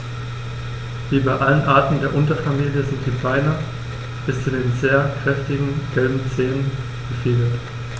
Wie bei allen Arten der Unterfamilie sind die Beine bis zu den sehr kräftigen gelben Zehen befiedert.